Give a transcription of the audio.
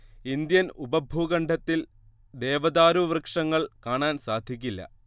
Indian ഉപഭൂഖണ്ഡത്തിൽ ദേവദാരു വൃക്ഷങ്ങൾ കാണാൻ സാധിക്കില്ല